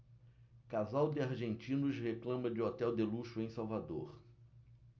casal de argentinos reclama de hotel de luxo em salvador